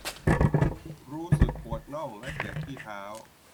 รู้สึกปวดน่องและเจ็บที่เท้า